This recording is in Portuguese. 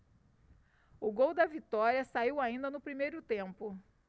o gol da vitória saiu ainda no primeiro tempo